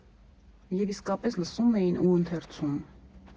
Եվ իսկապես լսում էին ու ընթերցում։